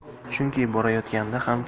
chunki borayotganda ham